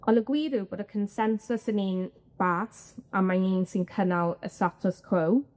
On' y gwir yw bod y consensws yn un bas a mae'n un sy'n cynnal y status quo.